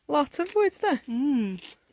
Lot o fwyd 'de? Hmm.